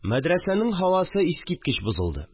Мәдрәсәнең һавасы искиткеч бозылды